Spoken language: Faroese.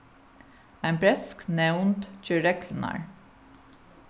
ein bretsk nevnd ger reglurnar